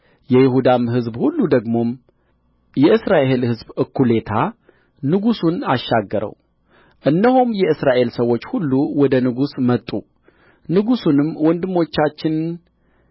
የይሁዳም ሕዝብ ሁሉ ደግሞም የእስራኤል ሕዝብ እኩሌታ ንጉሡን አሻገረው እነሆም የእስራኤል ሰዎች ሁሉ ወደ ንጉሥ መጡ ንጉሡንም ወንድሞቻችን